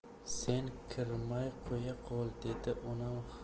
sen kirmay qo'ya